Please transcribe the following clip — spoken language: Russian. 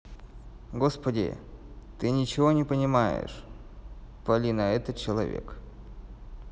господи ты ничего не понимаешь полина это человек